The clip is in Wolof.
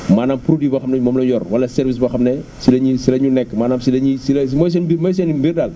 maanaam produit boo xam ne moom la ñuy yor wala service boo xam ne si la ñuy si la ñu nekk maanaam si la ñuy si la mooy seen mbir mooy seen mbir daal